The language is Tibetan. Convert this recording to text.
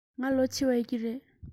ང ལོ ཆེ བ ཡོད ཀྱི རེད